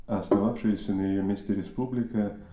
А основавшаяся на ее месте республика